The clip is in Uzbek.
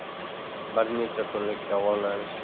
bir necha kunlik davolanish